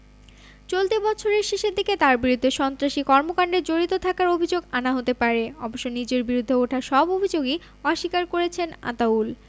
চলতি বছরের শেষের দিকে তাঁর বিরুদ্ধে সন্ত্রাসী কর্মকাণ্ডে জড়িত থাকার অভিযোগ আনা হতে পারে অবশ্য নিজের বিরুদ্ধে ওঠা সব অভিযোগই অস্বীকার করেছেন আতাউল